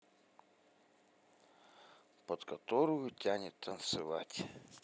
под которую тянет танцевать